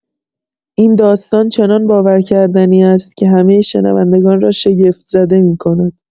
این داستان چنان باورکردنی است که همه شنوندگان را شگفت‌زده می‌کند.